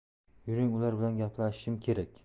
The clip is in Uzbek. yuring ular bilan gaplashishim kerak